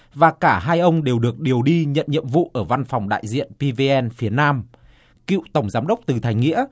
và cả hai ông đều được điều đi nhận nhiệm vụ ở văn phòng đại diện pi vi en phía nam cựu tổng giám đốc từ thành nghĩa